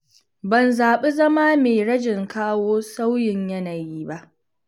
Ban zaɓi zama mai rajin kawo sauyin yanayi ba.